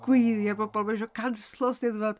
Gweiddi ar bobl "ma' isio canslo 'Steddfod"!